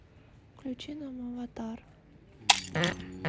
включи нам аватар